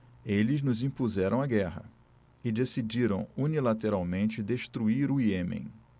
eles nos impuseram a guerra e decidiram unilateralmente destruir o iêmen